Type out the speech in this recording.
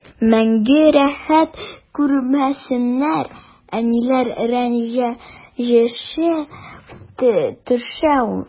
Мәңге рәхәт күрмәсеннәр, әниләр рәнҗеше төшә ул.